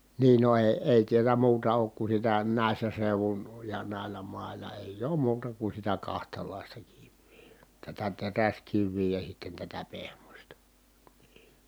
niin no ei ei täällä muuta ole kuin sitä näissä seuduin ja näillä mailla ei ole muuta kuin sitä kahtalaista kiveä tätä teräskiveä ja sitten tätä pehmoista niin